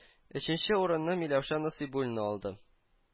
Өченче урынны Миләүшә Насыйбуллина алды